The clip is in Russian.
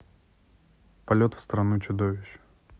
полет в страну чудовищ